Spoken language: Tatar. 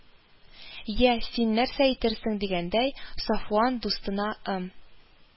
Йә, син нәрсә әйтерсең дигәндәй, Сафуан дустына ым